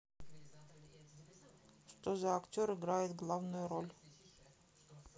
что за актер играет главную роль